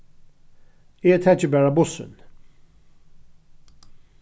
eg taki bara bussin